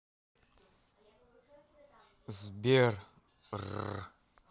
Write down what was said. сбер ррр